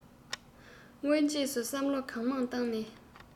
སྔ རྗེས སུ བསམ བློ གང མང བཏང ནས